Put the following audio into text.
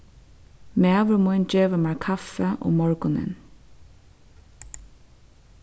maður mín gevur mær kaffi um morgunin